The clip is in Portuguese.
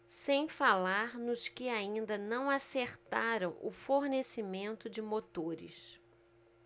sem falar nos que ainda não acertaram o fornecimento de motores